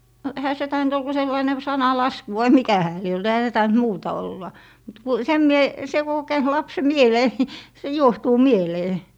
no eihän se tainnut olla kuin sellainen sananlasku vai mikä hän lie ollut eihän se tainnut muuta olla mutta kun sen minä se kun on käynyt lapsen mieleen niin se juohtuu mieleen